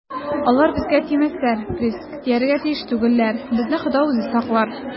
- алар безгә тимәсләр, приск, тияргә тиеш түгелләр, безне хода үзе саклар.